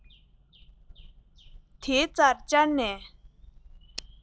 དེའི རྩར བཅར ནས